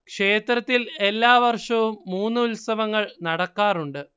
ക്ഷേത്രത്തിൽ എല്ലാ വർഷവും മൂന്ന് ഉത്സവങ്ങൾ നടക്കാറുണ്ട്